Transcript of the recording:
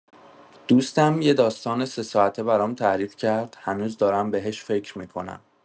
دوستم یه داستان سه‌ساعته برام تعریف کرد، هنوز دارم بهش فکر می‌کنم!